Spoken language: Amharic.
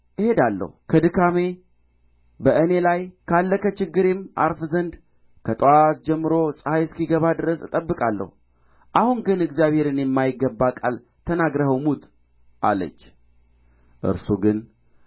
እሄዳለሁ ከድካሜ በእኔ ላይ ካለ ከችግሬም አርፍ ዘንድ ከጧት ጀምሮ ፀሐይ እስኪገባ ድረስ እጠብቃለሁ አሁን ግን እግዚአብሔርን የማይገባ ቃል ተናግረኸው ሙት አለች እርሱ ግን